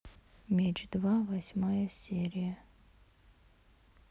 меч два восьмая серия